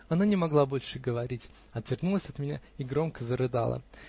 Она не могла больше говорить, отвернулась от меня и громко зарыдала.